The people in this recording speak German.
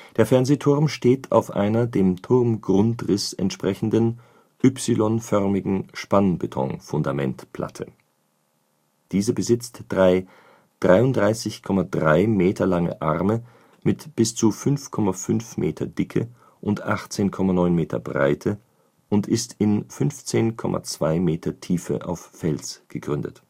Der Fernsehturm steht auf einer dem Turmgrundriss entsprechenden Y-förmigen Spannbetonfundamentplatte. Diese besitzt drei 33,3 Meter lange Arme mit bis zu 5,5 Meter Dicke und 18,9 Meter Breite und ist in 15,2 Meter Tiefe auf Fels gegründet